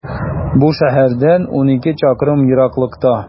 Бу шәһәрдән унике чакрым ераклыкта.